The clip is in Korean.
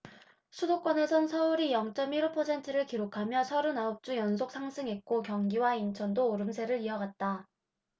수도권에선 서울이 영 쩜 일 오 퍼센트를 기록하며 서른 아홉 주 연속 상승했고 경기와 인천도 오름세를 이어갔다